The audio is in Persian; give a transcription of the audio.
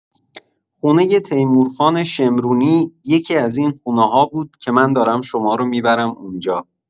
خونۀ تیمورخان شمرونی یکی‌از این خونه‌ها بود که من دارم شمارو می‌برم اونجا.